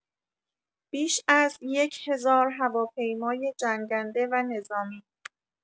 بیش از یک هزار هواپیمای جنگنده و نظامی